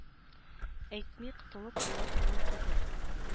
Әйтми котылып була торган түгел